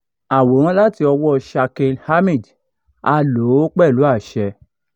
Àwòrán láti ọwọ́ọ Shakil Ahmed. A lò ó pẹlú àṣẹ.